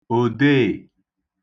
òdeè